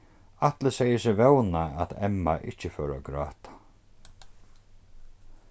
atli segði seg vóna at emma ikki fór at gráta